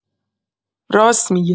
راس می‌گه